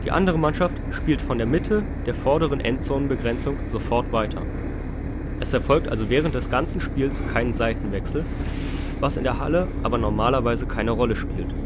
andere Mannschaft spielt von der Mitte der vorderen Endzonenbegrenzung sofort weiter. Es erfolgt also während des ganzen Spiels kein Seitenwechsel, was in der Halle aber normalerweise keine Rolle spielt